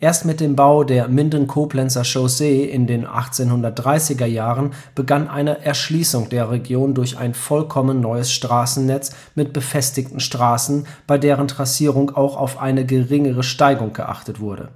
Erst mit dem Bau der Minden-Koblenzer Chaussee in den 1830er Jahren begann eine Erschließung der Region durch ein vollkommen neues Straßennetz mit befestigten Straßen, bei deren Trassierung auch auf eine geringere Steigung geachtet wurde.